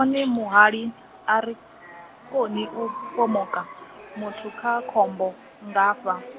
vhone muhali, a ri, koni u pomoka, muthu kha khombo, nngafha.